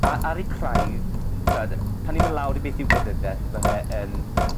a- ar 'i craidd t'od pan 'yn ni myn' lawr i beth yw gwleidyddiaeth ma' fa yn